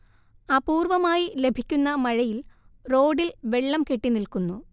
അപൂർവമായി ലഭിക്കുന്ന മഴയിൽ റോഡില്‍ വെള്ളം കെട്ടിനിൽക്കുന്നു